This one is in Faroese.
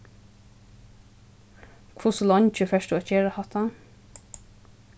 hvussu leingi fert tú at gera hatta